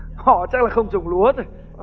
họ chắc là không trồng lúa rồi